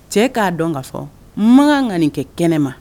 Cɛ k'a dɔn ka fɔ mankan ŋa nin kɛ kɛnɛma